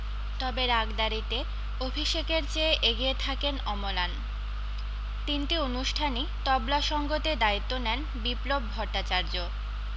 তবে রাগদারিতে অভিষেকের চেয়ে এগিয়ে থাকেন অমলান তিনটি অনুষ্ঠানই তবলা সঙ্গতের দায়িত্ব নেন বিপ্লব ভট্টাচার্য